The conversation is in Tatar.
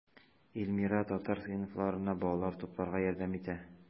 Эльмира татар сыйныфларына балалар тупларга ярдәм итә.